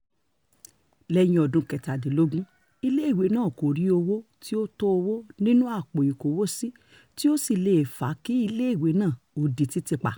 Lẹ́yìn-in ọdún kẹtàdínlógún, iléèwé náà kò rí owó tí ó tówó nínú àpò ìkówó sí tí ó sì leè fa kí iléèwé náà ó di títì pa.